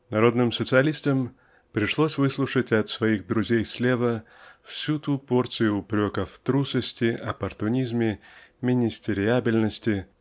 Народным социалистам пришлось выслушать от своих "друзей слева" всю ту порцию упреков в трусости оппортунизме министериабельности